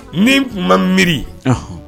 Min tun ma miiri